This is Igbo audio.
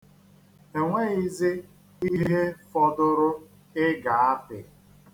Enweghịzị ihe fọdụrụ ị ga-apị.